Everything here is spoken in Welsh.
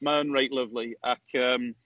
Mae o yn reit lyfli, ac yym…